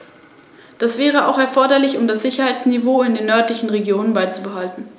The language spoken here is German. Die verstärkte Zusammenarbeit ist meiner Meinung nach eine absolute Sackgasse.